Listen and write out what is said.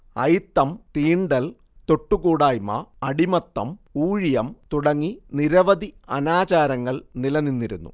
അയിത്തം തീണ്ടൽ തൊട്ടുകൂടായ്മ അടിമത്തം ഊഴിയം തുടങ്ങി നിരവധി അനാചാരങ്ങൾ നിലനിന്നിരുന്നു